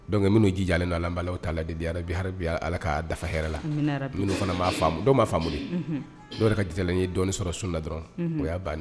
Don minnu' jijalen ni ala b'a t' la ala ka'a dafa hɛrɛɛ la minnu fana b'a dɔw b'a faamu n'o yɛrɛ ka dilen ye dɔɔnin sɔrɔ sunda dɔrɔn o y'a bannen